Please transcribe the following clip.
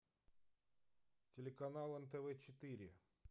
телеканал нтв четыре